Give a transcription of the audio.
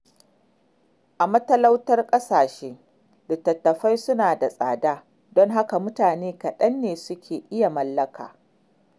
A matalautan ƙasashe, litattafai suna da tsada, don haka mutane kaɗan ne suke iya mallaka.